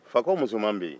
fakɔ musoman bɛ yen